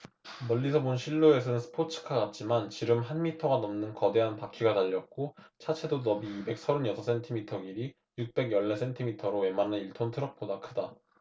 멀리서 본 실루엣은 스포츠카 같지만 지름 한 미터가 넘는 거대한 바퀴가 달렸고 차체도 너비 이백 서른 여섯 센티미터 길이 육백 열 네 센티미터로 웬만한 일 톤 트럭보다 크다